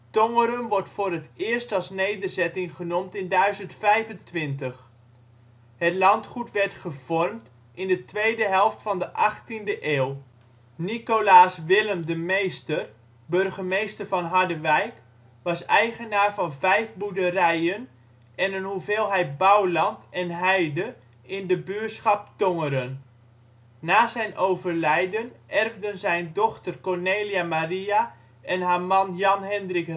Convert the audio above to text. Tongeren wordt voor het eerst als nederzetting genoemd in 1025. Het landgoed werd gevormd in de tweede helft van de achttiende eeuw. Nicolaas Wilhem de Meester, burgemeester van Harderwijk, was eigenaar van vijf boerderijen en een hoeveelheid bouwland en heide in het buurschap Tongeren. Na zijn overlijden erfden zijn dochter Cornelia Maria en haar man Jan Hendrik